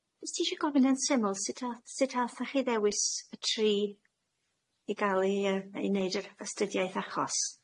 Jyst isio gofyn yn syml sut ath- sut 'a'thoch chi ddewis y tri i ga'l eu yy- i neud yr astudiaeth achos?